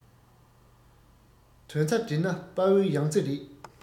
དོན རྩ བསྒྲིལ ན དཔའ བོའི ཡང རྩེ རེད